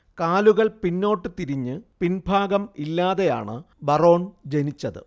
കാലുകൾ പിന്നോട്ട് തിരിഞ്ഞ് പിൻഭാഗം ഇല്ലാതെയാണ് ബറോൺ ജനിച്ചത്